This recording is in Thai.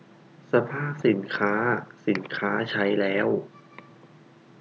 สภาพสินค้าสินค้าใช้แล้ว